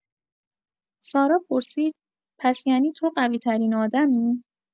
سارا پرسید: «پس یعنی تو قوی‌ترین آدمی؟»